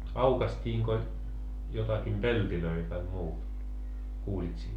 aukaistiinko jotakin peltejä tai muuta kuulit sinä